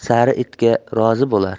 sari itga rozi bo'lar